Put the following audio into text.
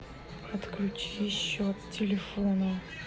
отключись счет телефона